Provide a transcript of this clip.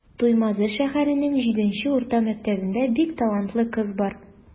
Туймазы шәһәренең 7 нче урта мәктәбендә бик талантлы кыз бар.